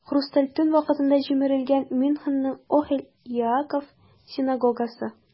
"хрусталь төн" вакытында җимерелгән мюнхенның "охель яаков" синагогасы.